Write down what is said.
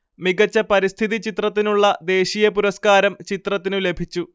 മികച്ച പരിസ്ഥിതി ചിത്രത്തിനുള്ള ദേശീയപുരസ്കാരം ചിത്രത്തിനു ലഭിച്ചു